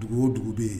Dugu o dugu bɛ yen